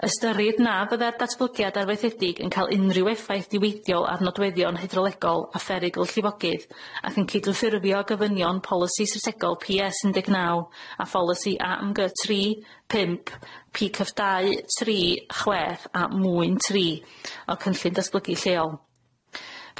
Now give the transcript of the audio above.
Ystyrir na fyddai'r datblygiad arfeithiedig yn ca'l unrhyw effaith niweidiol ar nodweddion hydrolegol a pherigl llifogydd ac yn cydymffurfio gyfynion polisi strategol Pee Ess un deg naw a pholisi a ym gy tri pump pee cyff dau tri chwech a mwyn tri o cynllun datblygu lleol.